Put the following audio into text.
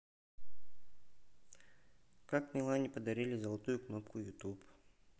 как милане подарили золотую кнопку ютуб